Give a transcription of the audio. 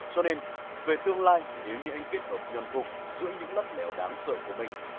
cho nên về tương lai nếu như anh kết hợp nhuần thục giữa những lắt léo đáng sợ của mình